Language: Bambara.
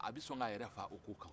a bɛ sɔn ka yɛrɛ faa o ko kan